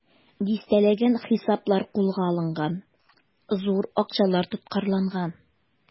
Дистәләгән хисаплар кулга алынган, зур акчалар тоткарланган.